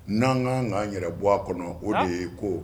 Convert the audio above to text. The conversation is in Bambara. N'an kaan kaan yɛrɛ bɔ a kɔnɔ o de ye ko